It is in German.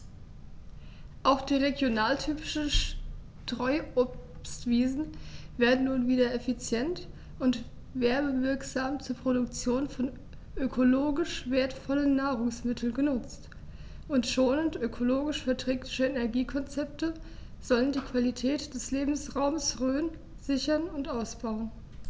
Auch die regionaltypischen Streuobstwiesen werden nun wieder effizient und werbewirksam zur Produktion von ökologisch wertvollen Nahrungsmitteln genutzt, und schonende, ökologisch verträgliche Energiekonzepte sollen die Qualität des Lebensraumes Rhön sichern und ausbauen.